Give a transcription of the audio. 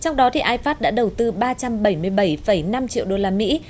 trong đó thì ai pát đã đầu tư ba trăm bẩy mươi bẩy phẩy năm triệu đô la mỹ